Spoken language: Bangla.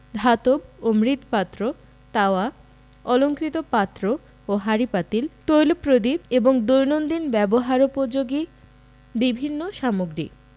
ধাতব ও মৃৎ পাত্র তাওয়া অলংকৃত পাত্র ও হাঁড়িপাতিল তৈল প্রদীপ এবং দৈনন্দিন ব্যবহারোপযোগী বিভিন্ন সামগ্রী